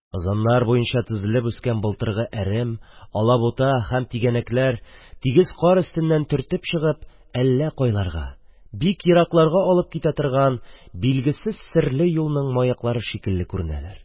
Ызаннар буенча тезелеп үскән былтыргы әрем, алабута һәм тигәнәкләр тигез кар астыннан төртеп чыгып, әллә кайларга – бик еракларга алып китә торган билгесез юлның маяклары шикелле күренәләр;